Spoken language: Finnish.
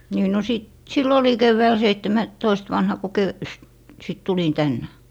niin no - silloin olin keväällä - seitsemäntoista vanha kun -- sitten tulin tänne